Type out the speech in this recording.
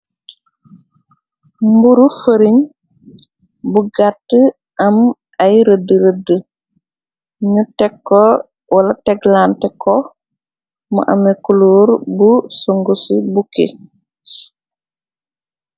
Mburu fëriñ bu gàtt, am ay rëdd rëdd, ñu tegko, wala teglante ko mu ame kuluur bu sungu ci bukki.